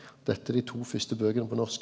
dette er dei to fyrste bøkene på norsk.